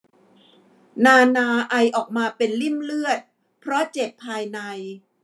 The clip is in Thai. นานาไอออกมาเป็นลิ่มเลือดเพราะเจ็บภายใน